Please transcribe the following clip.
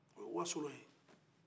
o ye wasolo ye